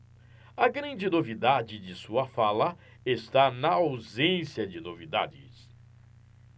a grande novidade de sua fala está na ausência de novidades